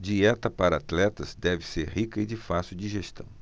dieta para atletas deve ser rica e de fácil digestão